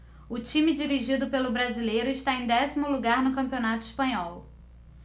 o time dirigido pelo brasileiro está em décimo lugar no campeonato espanhol